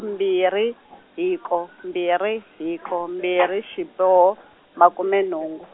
mbirhi hiko, mbirhi hiko mbirhi xiboho, makume nhungu.